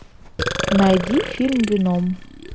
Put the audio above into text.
найди вильм веном